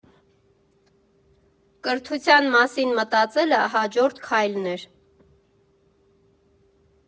Կրթության մասին մտածելը հաջորդ քայլն էր»։